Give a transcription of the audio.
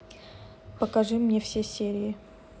покажи мне все серии